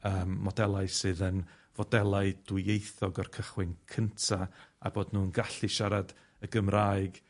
yym modelau sydd yn fodelau dwyieithog o'r cychwyn cynta, a bod nw'n gallu siarad y Gymraeg